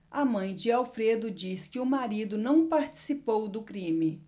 a mãe de alfredo diz que o marido não participou do crime